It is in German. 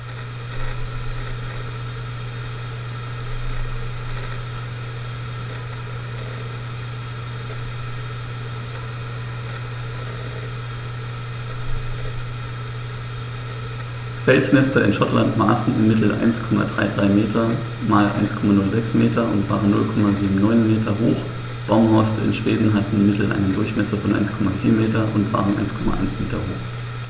Felsnester in Schottland maßen im Mittel 1,33 m x 1,06 m und waren 0,79 m hoch, Baumhorste in Schweden hatten im Mittel einen Durchmesser von 1,4 m und waren 1,1 m hoch.